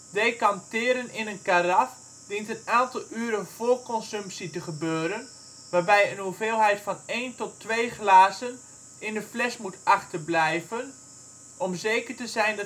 Decanteren in een karaf dient een aantal uren voor consumptie te gebeuren waarbij een hoeveelheid van één tot twee glazen in de fles moet achterblijven om zeker te zijn